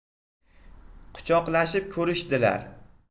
quchoqlashib ko'rishdilar